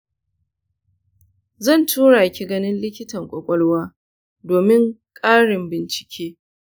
zan tura ki ganin likitan ƙwaƙwalwa domin ƙarin bincike.